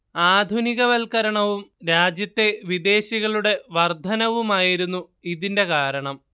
ആധുനികവൽക്കരണവും രാജ്യത്തെ വിദേശികളുടെ വർദ്ധനവുമായിരുന്നു ഇതിന്റെ കാരണം